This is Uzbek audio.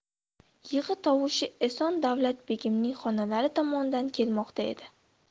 yig'i tovushi eson davlat begimning xonalari tomondan kelmoqda edi